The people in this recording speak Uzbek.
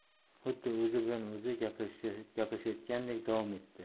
xuddi o'zi bilan o'zi gaplashayotgandek davom etdi